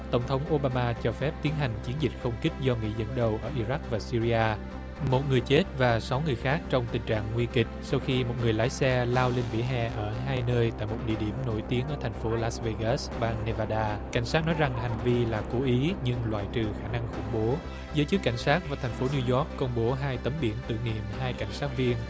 tổng thống ô ba ma cho phép tiến hành chiến dịch không kích do mỹ dẫn đầu ở i rắc và sy ry a một người chết và sáu người khác trong tình trạng nguy kịch sau khi một người lái xe lao lên vỉa hè ở hai nơi tại một địa điểm nổi tiếng ở thành phố lát vê gớt bang nê va đa cảnh sát nói rằng hành vi là cố ý nhưng loại trừ khả năng khủng bố giới chức cảnh sát và thành phố niu oóc công bố hai tấm biển thử nghiệm hai cảnh sát viên